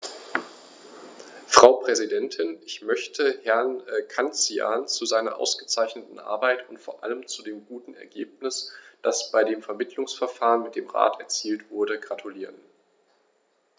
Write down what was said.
Frau Präsidentin, ich möchte Herrn Cancian zu seiner ausgezeichneten Arbeit und vor allem zu dem guten Ergebnis, das bei dem Vermittlungsverfahren mit dem Rat erzielt wurde, gratulieren.